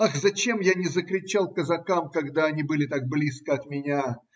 Ах, зачем я не закричал казакам, когда они были так близко от меня!